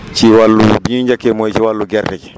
ci wàllu bi ñuy njëkkee mooy ci wàllu gerte gi